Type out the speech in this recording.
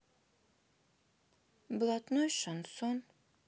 блатной шансон